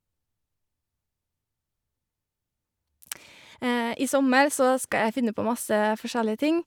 I sommer så skal jeg finne på masse forskjellige ting.